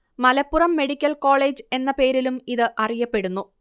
Malappuram medical college എന്ന പേരിലും ഇത് അറിയപ്പെടുന്നു